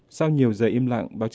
sau nhiều giờ im lặng và